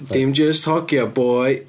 Dim jyst hogiau, boi.